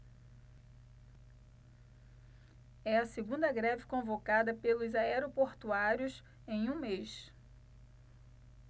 é a segunda greve convocada pelos aeroportuários em um mês